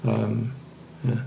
Yym, ia.